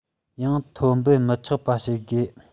ཡང ཐོན འབབ མི ཆག པ བྱེད དགོས